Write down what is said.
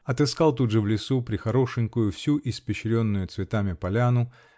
Отыскал тут же, в лесу, прехорошенькую, всю испещренную цветами, поляну